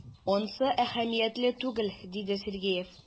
Ансы әһәмиятле түгел,— диде Сергеев.